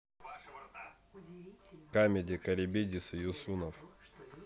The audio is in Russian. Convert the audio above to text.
камеди карибидис и юнусов